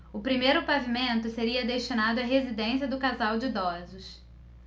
o primeiro pavimento seria destinado à residência do casal de idosos